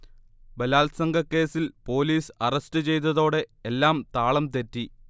ബലാത്സംഗക്കേസിൽ police arrest ചെയ്തതോടെ എ്ല്ലാം താളം തെറ്റി